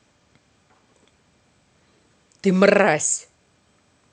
ты мразь